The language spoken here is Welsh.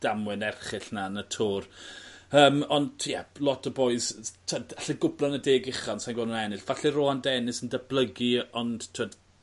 damwain erchyll 'na yn y Tour. Yym ond ie lot o bois s- t'od alle gwpla yn y deg ucha ond soi'n gwel' n'w ennill. Falle Rohan Dennis yn datblygu ond t'wod